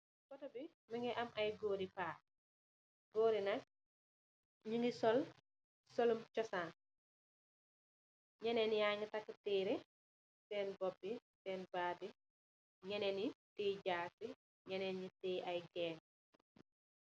Foto bi, mu ngi am ay goor I paa. Goori yi nak, ñoo ngi sol solum cosaan. Ñenen yaa ngi takë tëre, seen boobu bi, seen baat yi. Ñenen yi tiye ay jaasi ñenen y tiyee.